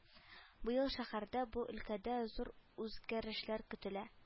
Быел шәһәрдә бу өлкәдә зур үзгәрешләр көтелә